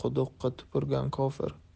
quduqqa tupurgan kofir